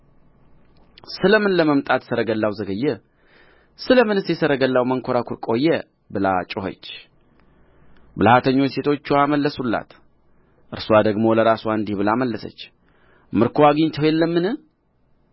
ስለ ምንስ የሰረገላው መንኰራኵር ቈየ ብላ ጮኸች ብልሃተኞች ሴቶችዋ መለሱላት እርስዋ ደግሞ ለራስዋ እንዲህ ብላ መለሰች ምርኮ አግኝተው የለምን